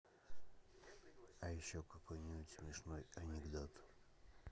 а еще какой нибудь смешной анекдот